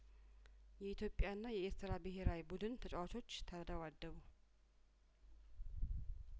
የኢትዮጵያ ና የኤርትራ ብሄራዊ ቡድን ተጫዋቾች ተደባደቡ